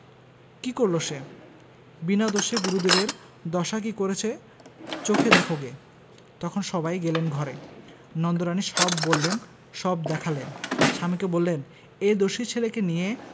কি করলে সে বিনা দোষে গুরুদেবের দশা কি করেছে চোখে দেখোগে তখন সবাই গেলেন ঘরে নন্দরানী সব বললেন সব দেখালেন স্বামীকে বললেন এ দস্যি ছেলেকে নিয়ে